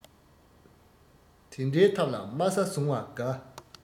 དེ འདྲའི ཐབས ལ དམའ ས བཟུང བ དགའ